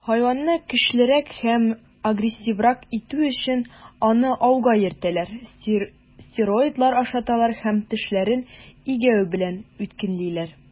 Хайванны көчлерәк һәм агрессиврак итү өчен, аны ауга өйрәтәләр, стероидлар ашаталар һәм тешләрен игәү белән үткенлиләр.